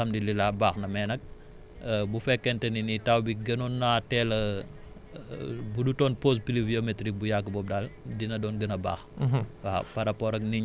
mais li si jot a rëcc daal alhamdulilah baax na mais nag bu fekkente ne ni taw bi gënoon naa teel a bu dutoon pause pluviométrique bu yàgg boobu daal dina doon gën a baax